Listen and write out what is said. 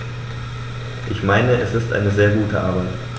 Ich meine, es ist eine sehr gute Arbeit.